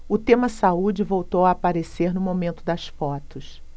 o tema saúde voltou a aparecer no momento das fotos